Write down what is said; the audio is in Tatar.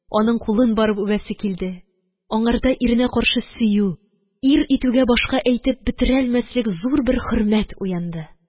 Аның кулын барып үбәсе килде. Аңарда иренә каршы сөю, ир итүгә башка әйтеп бетерелмәслек зур бер хөрмәт уянды.